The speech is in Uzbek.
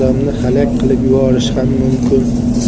odamni halak qilib yuborishi ham mumkin